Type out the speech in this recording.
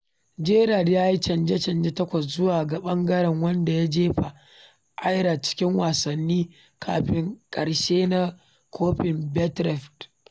Gerrard ya yi canje-canje takwas zuwa ga ɓangaren wanda ya jefa Ayr cikin wasannin kafin ƙarshe na Kofin Betfred.